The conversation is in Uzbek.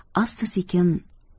asta sekin ufq